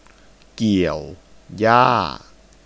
เกี่ยวหญ้า